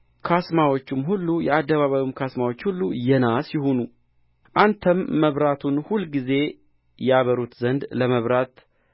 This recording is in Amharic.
ካስማዎቹም ሁሉ የአደባባዩም ካስማዎች ሁሉ የናስ ይሁኑ አንተም መብራቱን ሁልጊዜ ያበሩት ዘንድ ለመብራት